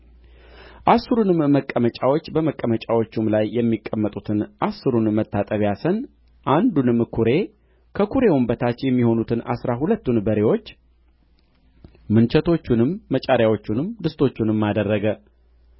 አሥሩንም መቀመጫዎች በመቀመጫዎችም ላይ የሚቀመጡትን አሥሩን መታጠቢያ ሰን አንዱንም ኵሬ ከኵሬውም በታች የሚሆኑትን አሥራ ሁለቱን በሬዎች ምንቸቶቹንም መጫሪያዎቹንም ድስቶቹንም አደረገ